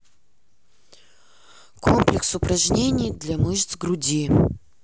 комплекс упражнений для мышц груди